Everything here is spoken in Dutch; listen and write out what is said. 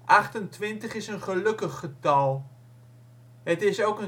Achtentwintig is een gelukkig getal. Het is ook